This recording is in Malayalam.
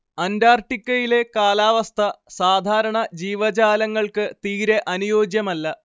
അന്റാർട്ടിക്കയിലെ കാലാവസ്ഥ സാധാരണ ജീവജാലങ്ങൾക്ക് തീരെ അനുയോജ്യമല്ല